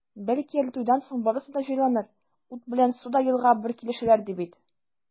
Бәлки әле туйдан соң барысы да җайланыр, ут белән су да елга бер килешәләр, ди бит.